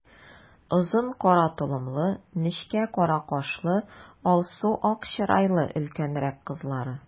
Озын кара толымлы, нечкә кара кашлы, алсу-ак чырайлы өлкәнрәк кызлары.